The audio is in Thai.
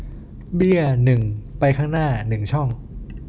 เบี้ยหนึ่งไปข้างหน้าหนึ่งช่อง